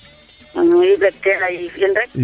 i mbekteen a yiif in rek